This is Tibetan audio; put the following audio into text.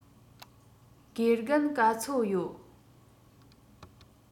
དགེ རྒན ག ཚོད ཡོད